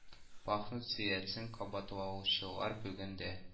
Пахнут сәясәтен кабатлаучылар бүген дә